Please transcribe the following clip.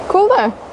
Cŵl 'de?